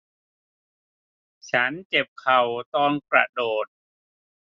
ฉันเจ็บเข่าตอนกระโดด